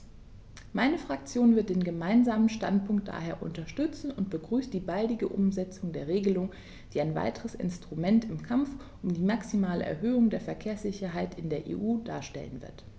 Meine Fraktion wird den Gemeinsamen Standpunkt daher unterstützen und begrüßt die baldige Umsetzung der Regelung, die ein weiteres Instrument im Kampf um die maximale Erhöhung der Verkehrssicherheit in der EU darstellen wird.